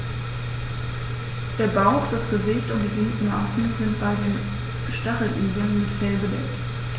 Der Bauch, das Gesicht und die Gliedmaßen sind bei den Stacheligeln mit Fell bedeckt.